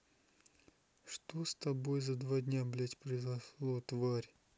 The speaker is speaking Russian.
что с тобой за два дня блядь произошла тварь